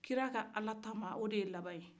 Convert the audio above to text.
kira ka ala ta o de ye laban ye